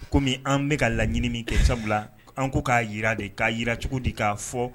Komi an bɛka ka laɲini min kɛ sabula an ko ka jira de, k'a yi cogo di? k'a fɔ.